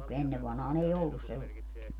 mutta kun ennen vanhaan ei ollut sellaista